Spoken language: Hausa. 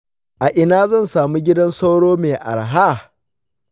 a ina zan samu gidan sauro mai araha?